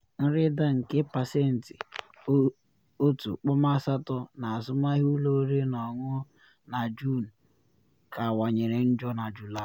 Nrịda nke pasentị 1.8 n’azụmahịa ụlọ oriri na ọṅụṅụ na Juun kawanyere njọ na Julai.